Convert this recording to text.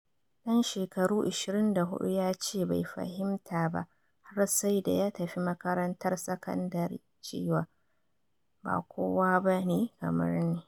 Dan shekaru 24 ya ce bai fahimta ba har sai da ya tafi makarantar sakandare cewa "ba kowa ba ne kamar ni."